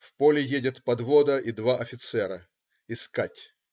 В поле едет подвода и два офицера: искать.